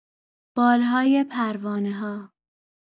بال‌های پروانه‌ها